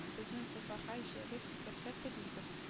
Безнең вузларга җәлеп итәргә телибез